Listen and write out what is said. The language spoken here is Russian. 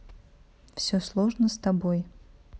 все сложно с тобой